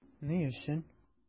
Ни өчен?